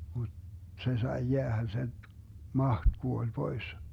mutta se sai jäädä sen mahti kuoli pois